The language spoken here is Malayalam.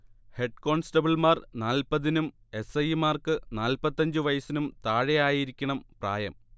ഹെഡ്കോൺസ്റ്റബിൾമാർ നാല്പതിനും എസ്. ഐ. മാർക്ക് നാല്പത്തി അഞ്ജു വയസ്സിനും താഴെയായിരിക്കണം പ്രായം